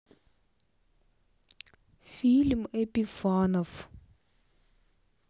фильм епифанов